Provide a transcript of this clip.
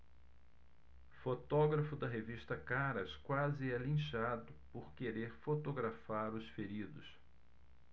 fotógrafo da revista caras quase é linchado por querer fotografar os feridos